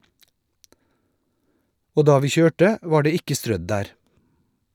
Og da vi kjørte, var det ikke strødd der.